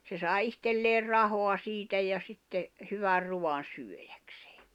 se sai itselleen rahaa siitä ja sitten hyvän ruuan syödäkseen